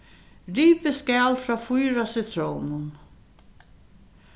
rivið skal frá fýra sitrónum